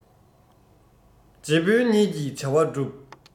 རྗེ དཔོན ཉིད ཀྱི བྱ བ སྒྲུབ